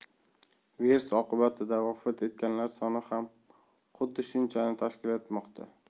virus oqibatida vafot etganlar soni ham xuddi shunchani tashkil etmoqda